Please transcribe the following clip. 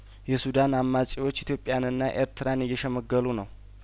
የሱዳን አማጺዎች ኢትዮጵያንና ኤርትራን እየሸመገሉ ነው